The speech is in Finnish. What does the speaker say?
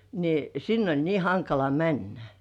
niin sinne oli niin hankala mennä